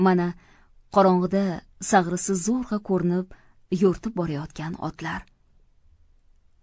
mana qorong'ida sag'risi zo'rg'a ko'rinib yo'rtib borayotgan otlar